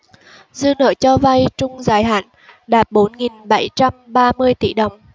dư nợ cho vay trung dài hạn đạt bốn nghìn bảy trăm ba mươi tỷ đồng